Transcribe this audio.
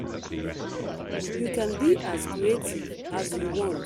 You can be as creative as you want.